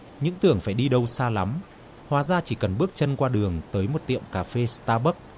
những tưởng phải đi đâu xa lắm hóa ra chỉ cần bước chân qua đường tới một tiệm cà phê sờ ta bấc